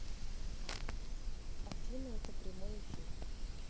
афина это прямой эфир